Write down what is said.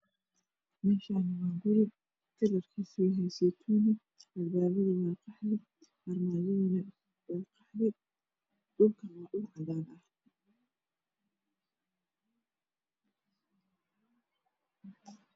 Meshaan waa guri kalarkisu yahay saytuuni albabadisu waa qaxmid armajadana waa qaxmid dhulkuna waa dhul dagan ah